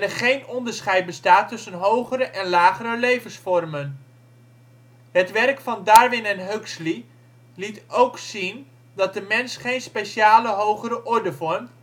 geen onderscheid bestaat tussen hogere en lagere levensvormen. Het werk van Darwin en Huxley liet ook zien dat de mens geen speciale hogere orde vormt